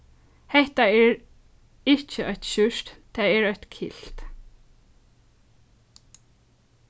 hetta er ikki eitt skjúrt tað er eitt kilt